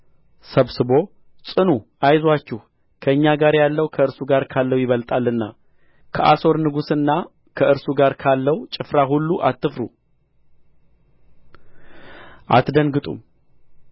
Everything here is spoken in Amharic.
ሰብስቦ ጽኑ አይዞአችሁ ከእኛም ጋር ያለው ከእርሱ ጋር ካለው ይበልጣልና ከአሦር ንጉሥና ከእርሱ ጋር ካለው ጭፍራ ሁሉ አትፍሩ አትደንግጡም